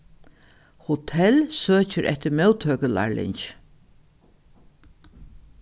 hotell søkir eftir móttøkulærlingi